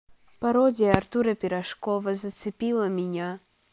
пародия артура пирожкова зацепила меня